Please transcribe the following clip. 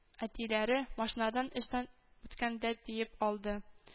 Әтиләре машинада эштән үткәндә тиеп алды